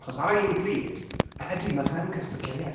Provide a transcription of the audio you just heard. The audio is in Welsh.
Achos ar yr un pryd, ydy, mae fe yn cystadleuaeth.